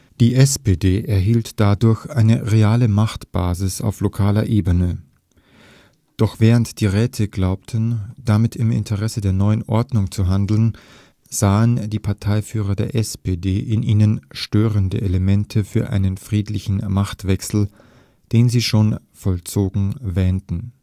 Die SPD erhielt dadurch eine reale Machtbasis auf lokaler Ebene. Doch während die Räte glaubten, damit im Interesse der neuen Ordnung zu handeln, sahen die Parteiführer der SPD in ihnen störende Elemente für einen friedlichen Machtwechsel, den sie schon vollzogen wähnten